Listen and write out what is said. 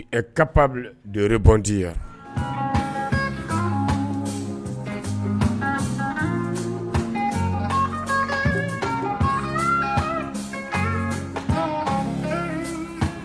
Ɛ ka debɔnti yan